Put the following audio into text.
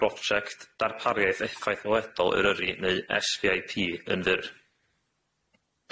brogect darpariaeth effaith weledol Eryri neu Ess Vee Eye Pee yn fyr.